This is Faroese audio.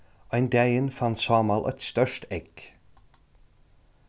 ein dagin fann sámal eitt stórt egg